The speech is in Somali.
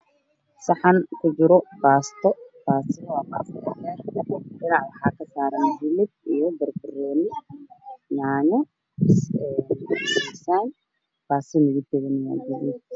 Saxan kujiro baasto baastada waa baasto dhaadher dhinac waxaa kasaaran galad iyo barbarooni yaanyo baastada midabkeedana waa guduud